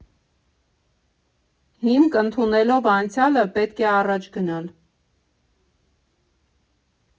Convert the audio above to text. Հիմք ընդունելով անցյալը՝ պետք է առաջ գնալ։